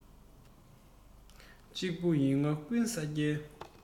གཅིག པུ ཡིན ང ཀུན ས རྒྱལ